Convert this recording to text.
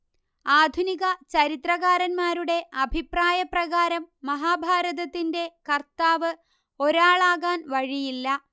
ആധുനിക ചരിത്രകാരന്മാരുടെ അഭിപ്രായപ്രകാരം മഹാഭാരതത്തിന്റെ കർത്താവ് ഒരാളാകാൻ വഴിയില്ല